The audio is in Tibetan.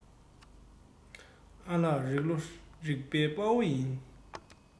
ཨ ལག རིག ལོ རིག པའི དཔའ བོ ཡིན